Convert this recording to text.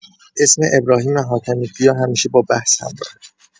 اسم ابراهیم حاتمی‌کیا همیشه با بحث همراهه.